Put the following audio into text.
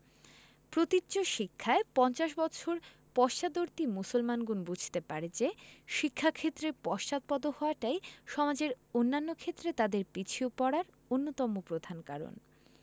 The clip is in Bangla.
প্রতীচ্য শিক্ষায় পঞ্চাশ বছর পশ্চাদ্বর্তী মুসলমানগণ বুঝতে পারে যে শিক্ষাক্ষেত্রে পশ্চাৎপদ হওয়াটাই সমাজের অন্যান্য ক্ষেত্রে তাদের পিছিয়ে পড়ার অন্যতম প্রধান কারণ